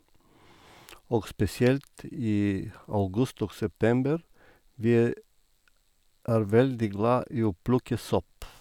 Og spesielt i august og september, vi er veldig glad i å plukke sopp.